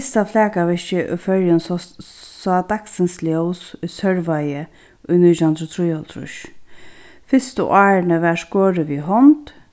fyrsta flakavirki í føroyum sást sá dagsins ljós í sørvági í nítjan hundrað og trýoghálvtrýss fyrstu árini varð skorið við hond